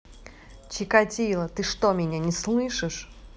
чикатило ты что меня не слышишь